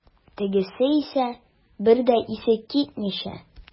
Тегесе исә, бер дә исе китмичә.